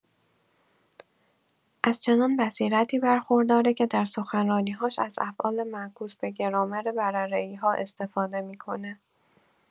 از چنان بصیرتی برخورداره که در سخنرانی‌‌هاش از افعال معکوس به گرامر برره‌ای ها استفاده می‌کنه.